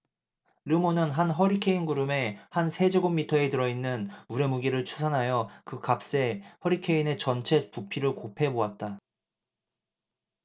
르몬은 한 허리케인 구름의 한 세제곱미터에 들어 있는 물의 무게를 추산하여 그 값에 허리케인의 전체 부피를 곱해 보았다